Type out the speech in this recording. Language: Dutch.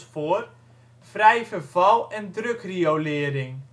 voor: vrij verval en drukriolering